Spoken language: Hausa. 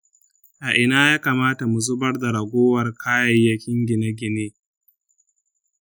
a ina ya kamata mu zubar da ragowar kayayyakkin gine-gine?